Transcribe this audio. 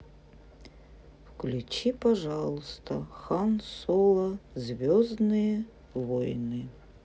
включи пожалуйста хан соло звездные войны